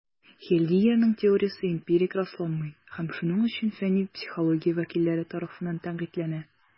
Хеллингерның теориясе эмпирик расланмый, һәм шуның өчен фәнни психология вәкилләре тарафыннан тәнкыйтьләнә.